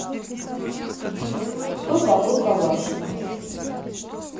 кто такой калашников